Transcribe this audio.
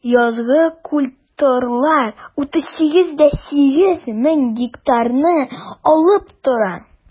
Язгы культуралар 38,8 мең гектарны алып тора.